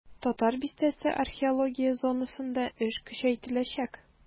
"татар бистәсе" археология зонасында эш көчәйтеләчәк.